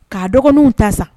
K'a dɔgɔninw ta sa